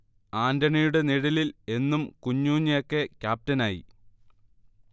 ആന്റണിയുടെ നിഴലിൽ എന്നും കുഞ്ഞൂഞ്ഞ് എ. കെ. ക്യാപ്റ്റനായി